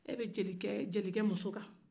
e bɛ jeikɛ-jelikɛ muso kan